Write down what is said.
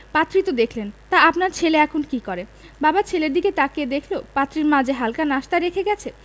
পাত্রী তো দেখলেন তা আপনার ছেলে এখন কী করে বাবা ছেলের দিকে তাকিয়ে দেখল পাত্রীর মা যে হালকা নাশতা রেখে গেছে